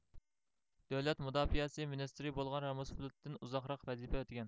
دۆلەت مۇداپىئەسى مىنىستىرى بولغان راموسفېلېددىن ئۇزاقراق ۋەزىپە ئۆتىگەن